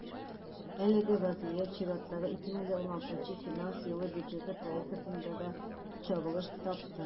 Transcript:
Әлеге вазгыять чираттагы, 2016 финанс елы бюджеты проектында да чагылыш тапты.